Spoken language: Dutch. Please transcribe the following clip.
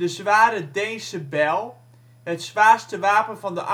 zware Deense bijl, het zwaarste wapen van de